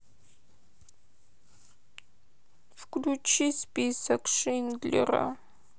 включи список шиндлера